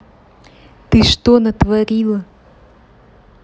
ты что натворила